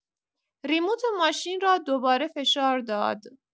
ریموت ماشین را دوباره فشار داد.